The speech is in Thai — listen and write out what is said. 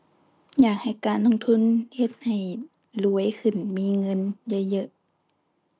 อยากให้การลงทุน เฮ็ดให้รวยขึ้น มีเงินเยอะเยอะ